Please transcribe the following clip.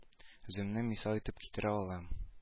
Үземне мисал итеп китерә алам